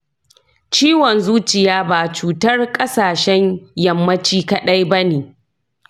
ciwon zuciya ba cutar kasashen yammaci kaɗai ba ne.